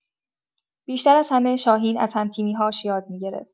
بیشتر از همه، شاهین از هم‌تیمی‌هاش یاد می‌گرفت.